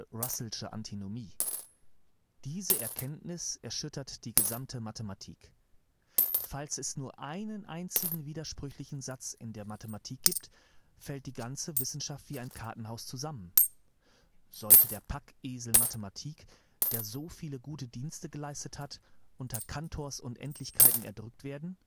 Russellsche Antinomie). Diese Erkenntnis erschüttert die gesamte Mathematik. Falls es nur einen einzigen widersprüchlichen Satz in der Mathematik gibt, fällt die ganze Wissenschaft wie ein Kartenhaus zusammen. Sollte der Packesel Mathematik, der so viele gute Dienste geleistet hat, unter Cantors Unendlichkeiten erdrückt werden